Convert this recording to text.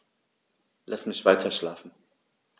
Lass mich weiterschlafen.